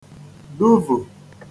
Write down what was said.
duvù